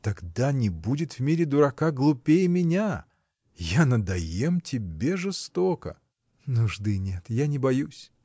— Тогда не будет в мире дурака глупее меня. Я надоем тебе жестоко. — Нужды нет, я не боюсь.